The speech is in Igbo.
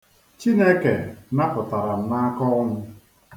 Chineke napụtara m n'aka ọnwụ.